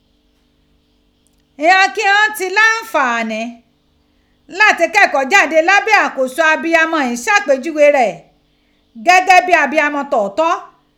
Ighan ki ghan ti ni anfaani lati kẹkọọ jade labẹ akoso abiyamọ ghin ṣapejughe rẹ gẹgẹ bii abiyamọ tootọ.